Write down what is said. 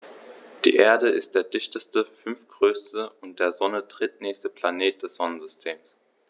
Die Erde ist der dichteste, fünftgrößte und der Sonne drittnächste Planet des Sonnensystems.